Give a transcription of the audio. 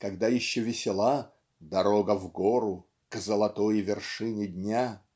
когда еще весела "дорога в гору к золотой вершине дня"